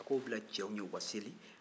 a k'o bila cɛw ɲɛ u ka seli